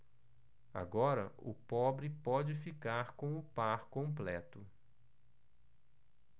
agora o pobre pode ficar com o par completo